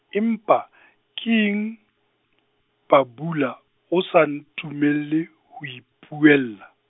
empa, keng, Bhabula, a sa ntumella, ho ipuella?